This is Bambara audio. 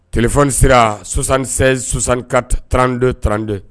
Tilef sera sonsan2kisɛ susanka trante trante